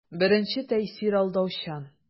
Беренче тәэсир алдаучан.